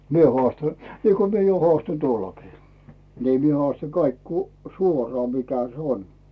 minä haastan niin kuin minä jo haastoin tuolloinkin niin minä haastan kaikki kun suoraan mikä se on